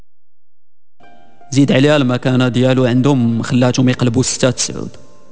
زيد عيال ما كان ديالو عندهم خلهم يقل بوستات سعود